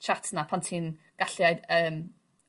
chat 'na pan ti'n gallu ai- yym